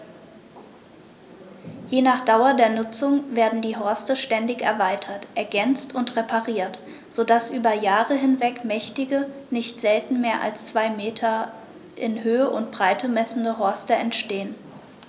Je nach Dauer der Nutzung werden die Horste ständig erweitert, ergänzt und repariert, so dass über Jahre hinweg mächtige, nicht selten mehr als zwei Meter in Höhe und Breite messende Horste entstehen.